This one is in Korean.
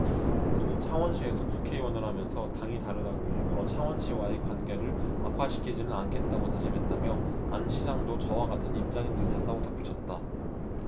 그는 창원시에서 국회의원을 하면서 당이 다르다고 일부러 창원시와의 관계를 악화시키지는 않겠다고 다짐했다며 안 시장도 저와 같은 입장인 듯 하다고 덧붙였다